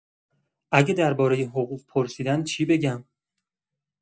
اگه درباره حقوق پرسیدن چی بگم؟